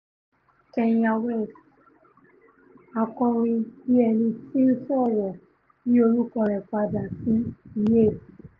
Kanye West: Akọrinbíẹnití-ńsọ̀rọ̀ yí orúkọ rẹ̀ padá sí Ye